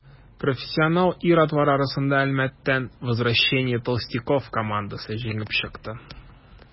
Профессионал ир-атлар арасында Әлмәттән «Возвращение толстяков» командасы җиңеп чыкты.